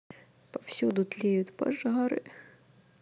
повсюду тлеют пожары